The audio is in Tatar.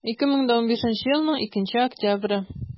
2015 елның 2 октябре